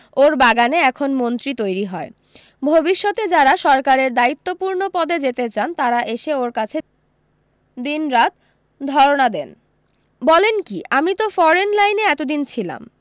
ওর বাগানে এখন মন্ত্রী তৈরী হয় ভবিষ্যতে যারা সরকারের দ্বায়িত্বপূর্ণ পদে যেতে চান তারা এসে ওর কাছে দিনরাত ধরণা দেন বলেন কী আমি তো ফরেন লাইনে এতদিন ছিলাম